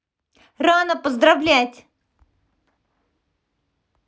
рано поздравлять